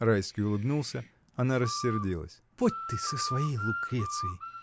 Райский улыбнулся, она рассердилась. — Поди ты с своей Лукрецией!